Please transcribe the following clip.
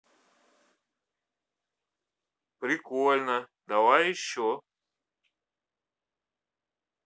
прикольно давай еще